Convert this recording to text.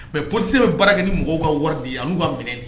Mais politicien u bɛ baara kɛ ni mɔgɔw ka wari de ye an'u ka minɛnw